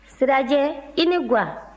sirajɛ i ni ga